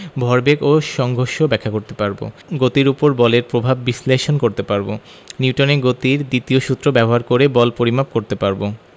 ভরবেগ এবং সংঘর্ষ ব্যাখ্যা করতে পারব গতির উপর বলের প্রভাব বিশ্লেষণ করতে পারব নিউটনের গতির দ্বিতীয় সূত্র ব্যবহার করে বল পরিমাপ করতে পারব